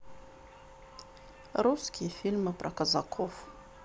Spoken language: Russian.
русские фильмы про казаков